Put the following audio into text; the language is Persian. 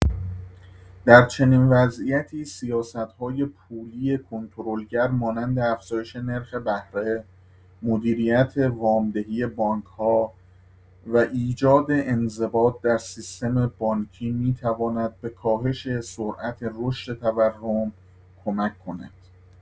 در چنین وضعیتی سیاست‌های پولی کنترل‌گر مانند افزایش نرخ بهره، مدیریت وام‌دهی بانک‌ها و ایجاد انضباط در سیستم بانکی می‌تواند به کاهش سرعت رشد تورم کمک کند.